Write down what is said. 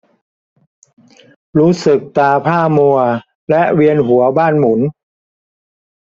รู้สึกตาพร่ามัวและเวียนหัวบ้านหมุน